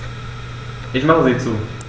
Ich mache sie zu.